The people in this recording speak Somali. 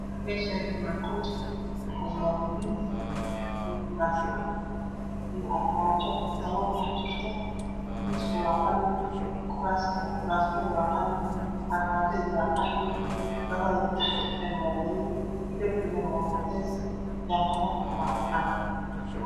Meshani waa qol waxa yalo mis iyo kurasyo iyo armajo dhalo kudhaxjirto misku waa qalin kurasman ku waa qalinn armajadu waa qaxwi dhalada kudhaxjirtana waa madaw darbigana waa Cades daqadahana waa cadan